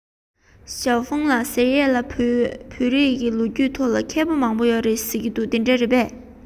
ཞའོ ཧྥུང ལགས ཟེར ཡས ལ བྱས ན ལོ རྒྱུས ཐོག བོད ལ མཁས པ མང པོ བྱུང བ རེད ཟེར གྱིས དེ འདྲ རེད པས